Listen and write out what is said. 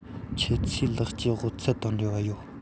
ཁྱེད ཚོའི ལེགས སྐྱེས འབུལ ཚད དང འབྲེལ བ ཡོད